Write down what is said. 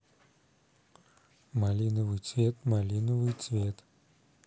малиновый цвет малиновый цвет